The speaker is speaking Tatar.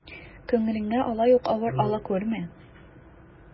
Күңелеңә алай ук авыр ала күрмә.